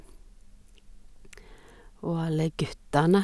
Og Alle guttane.